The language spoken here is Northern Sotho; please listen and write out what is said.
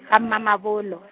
ga Mamabolo .